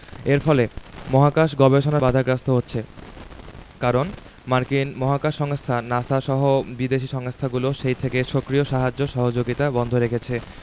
এর ফলে মহাকাশ গবেষণা বাধাগ্রস্ত হচ্ছে কারণ মার্কিন মহাকাশ সংস্থা নাসা সহ বিদেশি সংস্থাগুলো সেই থেকে সক্রিয় সাহায্য সহযোগিতা বন্ধ রেখেছে